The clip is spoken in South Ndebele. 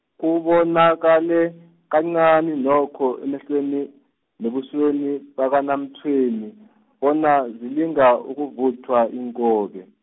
kubonakale kancani nokho emehlweni, nebusweni bakaNaMtshweni , bona zilinga ukuvuthwa iinkobe.